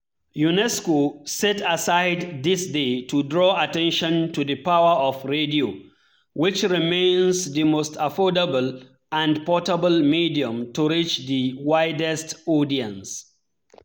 UNESCO set aside this day to draw attention to the power of radio — which remains the most affordable and portable medium to reach the widest audience.